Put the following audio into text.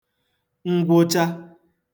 ngwụcha